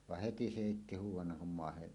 vaan heti se heitti huudon kun maahan